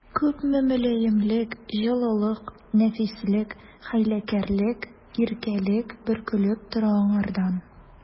Күпме мөлаемлык, җылылык, нәфислек, хәйләкәрлек, иркәлек бөркелеп тора аңардан!